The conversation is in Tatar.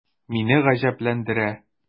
Мине гаҗәпләндерә: